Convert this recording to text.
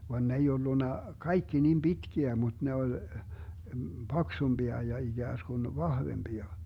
vaan ne ei ollut kaikki niin pitkiä mutta ne oli paksumpia ja ikään kuin vahvempia